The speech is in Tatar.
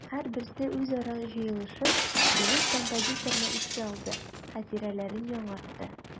Һәрберсе үзара җыелышып бөек композиторны искә алды, хатирәләрен яңартты.